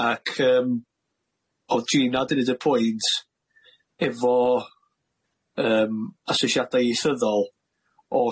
ac yym o'dd Gina wedi neud y pwynt efo yym asesiadau ieithyddol,